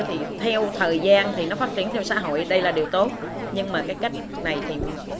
thì theo thời gian thì nó phát triển theo xã hội đây là điều tốt nhưng mà cái cách này thì